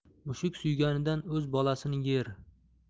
mushuk suyganidan o'z bolasini yer